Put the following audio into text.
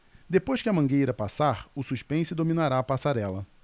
depois que a mangueira passar o suspense dominará a passarela